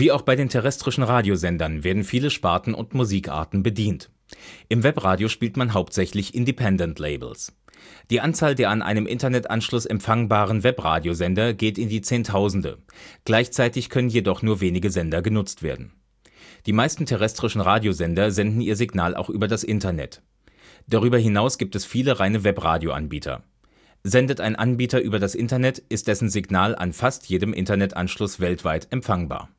auch bei den terrestrischen Radiosendern werden viele Sparten und Musikarten bedient. Im Webradio spielt man hauptsächlich Independent Labels. Die Anzahl der an einem Internetanschluss empfangbaren Webradiosender geht in die zehntausende, gleichzeitig können jedoch nur wenige „ Sender “genutzt werden. Die meisten terrestrischen Radiosender senden ihr Signal auch über das Internet. Darüber hinaus gibt es viele reine Webradioanbieter. Sendet ein Anbieter über das Internet, ist dessen Signal an (fast) jedem Internetanschluss weltweit empfangbar